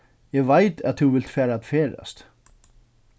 eg veit at tú vilt fara at ferðast